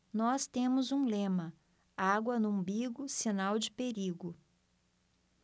nós temos um lema água no umbigo sinal de perigo